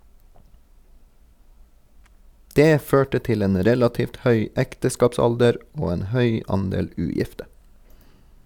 Det førte til en relativt høy ekteskapsalder og en høy andel ugifte.